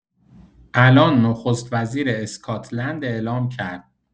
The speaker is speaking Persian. الان نخست‌وزیر اسکاتلند اعلام کرد.